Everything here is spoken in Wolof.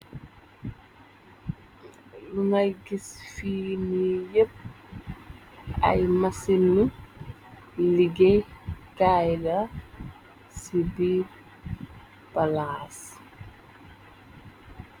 li ngay gis fii ni yépp ay mechanic liggéey kaay la ci biir palaas.